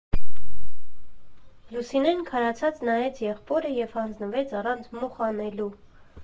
Լուսինեն քարացած նայեց եղբորը և հանձնվեց առանց մուխ անելու.